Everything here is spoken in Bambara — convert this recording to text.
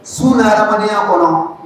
Su na adamadenyaya kɔnɔ